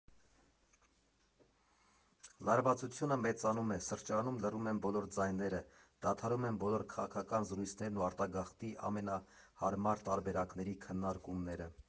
Լարվածությունը մեծանում է, սրճարանում լռում են բոլոր ձայները, դադարում են բոլոր քաղաքական զրույցներն ու արտագաղթի ամենահարմար տարբերակների քննարկումները…